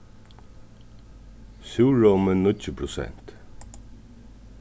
súrrómi níggju prosent